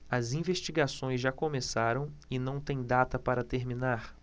as investigações já começaram e não têm data para terminar